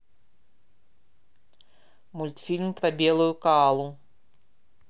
мультфильм про белую коалу